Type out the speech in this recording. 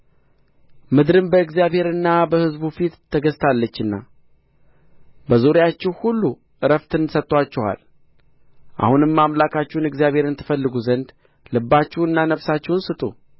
ምድርም በእግዚአብሔርና በሕዝቡ ፊት ተገዝታለችና በዙሪያችሁ ሁሉ ዕረፍትን ሰጥቶአችኋል አሁንም አምላካችሁን እግዚአብሔርን ትፈልጉ ዘንድ ልባችሁንና ነፍሳችሁን ስጡ